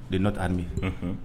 Don n'o tɛmi